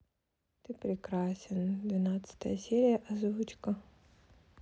ты прекрасен двенадцатая серия озвучка